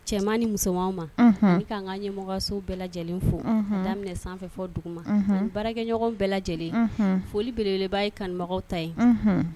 Cɛman ni musoman ma i kan ka ɲɛmɔgɔso bɛɛ lajɛlen fo daminɛ sanfɛ fɔ dugu ma baarakɛɲɔgɔn bɛɛ lajɛlen foli beleba ye kanubagaw ta ye